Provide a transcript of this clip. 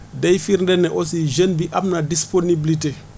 day firndeel ne aussi jeune bi am na disponibilité